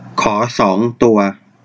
ขอสองตัว